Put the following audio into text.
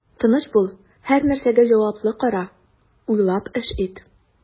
Тыныч бул, һәрнәрсәгә җаваплы кара, уйлап эш ит.